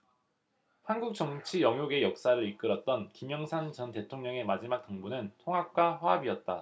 한국정치 영욕의 역사를 이끌었던 김영삼 전 대통령의 마지막 당부는 통합과 화합이었다